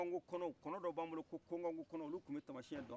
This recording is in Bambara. kokanko kɔnɔw kɔnɔ dɔ b'an bolo ko kokanko kɔnɔ